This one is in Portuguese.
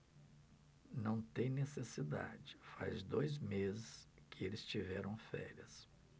não tem necessidade faz dois meses que eles tiveram férias